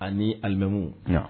Ani alimamu